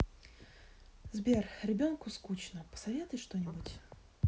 сбер ребенку скучно посоветуй что нибудь